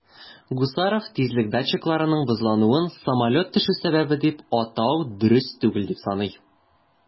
Гусаров тизлек датчикларының бозлануын самолет төшү сәбәбе дип атау дөрес түгел дип саный.